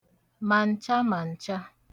mà ǹcha mà ǹcha